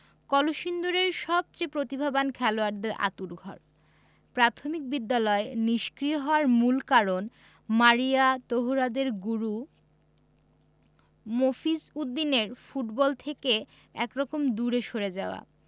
কলসিন্দুরের সবচেয়ে প্রতিভাবান খেলোয়াড়দের আঁতুড়ঘর প্রাথমিক বিদ্যালয় নিষ্ক্রিয় হওয়ার মূল কারণ মারিয়া তহুরাদের গুরু মফিজ উদ্দিনের ফুটবল থেকে একরকম দূরে সরে যাওয়া